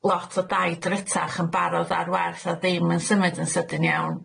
lot o daid rytach yn barodd ar werth a ddim yn symud yn sydyn iawn.